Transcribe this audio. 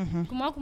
Kuma